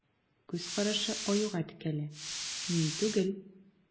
Күз карашы Аюга текәлә: мин түгел.